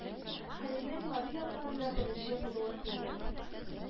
Хәлимнең мари якларында беренче булуы түгел